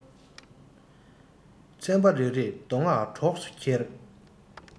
ཚན པ རེ རེས མདོ སྔགས གྲོགས སུ འཁྱེར